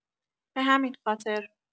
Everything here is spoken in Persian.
به همین خاطر